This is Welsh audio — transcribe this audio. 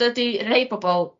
dydi rhei pobol